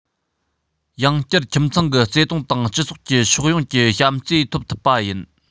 ཡང བསྐྱར ཁྱིམ ཚང གི བརྩེ དུང དང སྤྱི ཚོགས ཀྱི ཕྱོགས ཡོངས ཀྱི བྱམས བརྩེ ཐོབ ཐུབ པ ཡིན